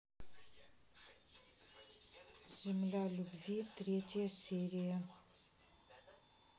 земля любви третья серия